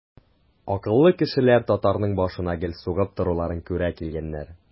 Акыллы кешеләр татарның башына гел сугып торуларын күрә килгәннәр.